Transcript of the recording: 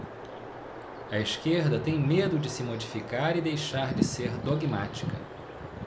a esquerda tem medo de se modificar e deixar de ser dogmática